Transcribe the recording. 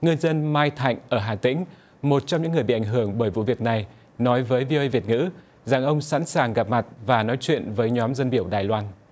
ngư dân mai thạch ở hà tĩnh một trong những người bị ảnh hưởng bởi vụ việc này nói với vi ô ây việt ngữ rằng ông sẵn sàng gặp mặt và nói chuyện với nhóm dân biểu đài loan